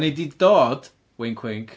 Da ni 'di dod, wink wink.